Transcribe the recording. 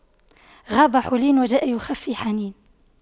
غاب حولين وجاء بِخُفَّيْ حنين